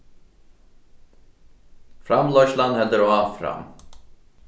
framleiðslan heldur áfram